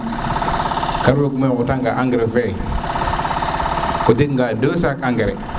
ka ley me o xota nga engrais fe o jega nge 2 sacs engrais